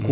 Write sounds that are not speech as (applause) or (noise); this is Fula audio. (hesitation) (hesitation)